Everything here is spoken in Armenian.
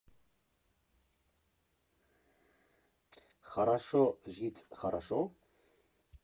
Խառաշո ժիծ խառաշո՞։